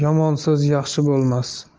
yomonsiz yaxshi bo'lmas